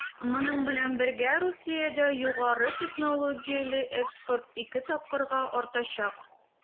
Моның белән бергә Русиядә югары технологияле экспорт 2 тапкырга артачак.